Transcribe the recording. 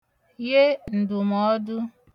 ye ǹdụ̀mọọdụ